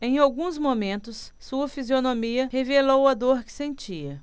em alguns momentos sua fisionomia revelou a dor que sentia